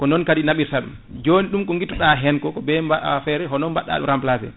ko non kadi naɓirta ɗum joni ɗum ko guittuɗa hen ko be ba a feere ko badɗaɓe remplacé